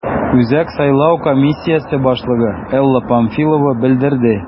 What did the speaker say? Үзәк сайлау комиссиясе башлыгы Элла Памфилова белдерде: